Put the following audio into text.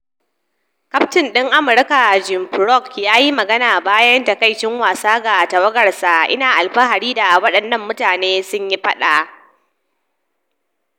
Kyaftin din Amurka Jim Furyk yayi magana bayan takaicin wasan ga tawagarsa, "Ina alfahari da wadannan mutanen, sun yi fada.